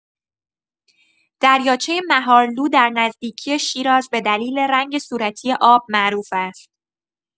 دریاچه مهارلو در نزدیکی شیراز به دلیل رنگ صورتی آب معروف است.